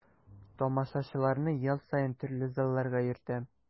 Тамашачыларны ел саен төрле залларга йөртәм.